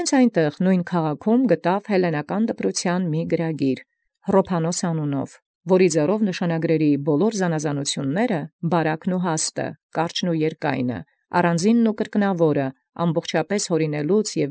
Եւ անդէն ի նմին քաղաքի գրիչ ոմն հելլենական դպրութեան Հռոփանոս անուն գտեալ, որով զամենայն ընտրութիւնս նշանագրացն զնրբագոյնն և զլայնագոյնն, զկարճն և զերկայնն, զառանձինն և զկրկնաւորն, միանգամայն յաւրինեալ և։